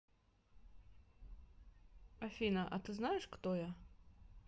афина а ты знаешь кто я